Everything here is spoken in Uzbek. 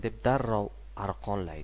deb darrov arqonlaydi